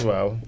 waaw